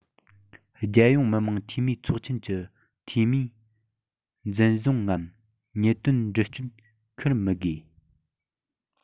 རྒྱལ ཡོངས མི དམངས འཐུས མིའི ཚོགས ཆེན གྱི འཐུས མིས འཛིན བཟུང ངམ ཉེས དོན འདྲི གཅོད འཁུར མི དགོས